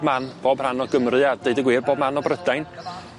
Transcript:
man bob rhan o Gymru a deud y gwir bob man o Brydain.